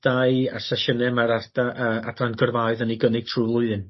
dau a sesiyne ma'r arda- yy adran gyrfaoedd yn ei gynnig trw'r flwyddyn.